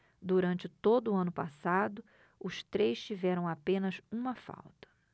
durante todo o ano passado os três tiveram apenas uma falta